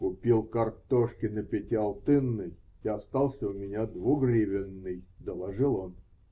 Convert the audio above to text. -- Купил картошки на пятиалтынный, и остался у меня двугривенный, -- доложил он.